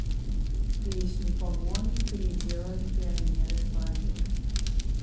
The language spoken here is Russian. песню погоня переделали пионеры в лагере